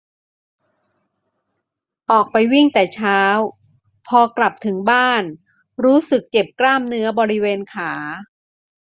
ออกไปวิ่งแต่เช้าพอกลับถึงบ้านรู้สึกเจ็บกล้ามเนื้อบริเวณขา